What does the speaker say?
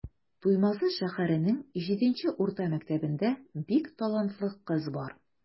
Туймазы шәһәренең 7 нче урта мәктәбендә бик талантлы кыз бар.